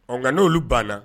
Ɔ nka n'olu banna